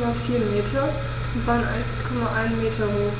m und waren 1,1 m hoch.